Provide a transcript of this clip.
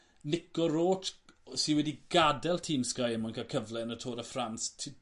Nico Roach sy wedi gadel tîm Sky er mwyn ca'l cyfle yn y Tour de France t-